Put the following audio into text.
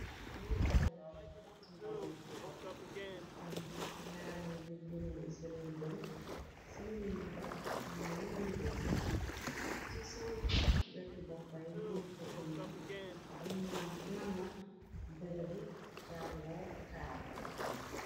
niy ay ndawla ñett ndaw yu paxawla ngir ñaarni yu jën senuy bëñ senuy bu ba ñoo niroo, ci seen weti boppay ñu fa binda dañ nama bërebu jàngoo kaay.